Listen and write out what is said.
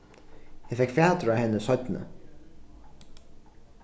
eg fekk fatur á henni seinni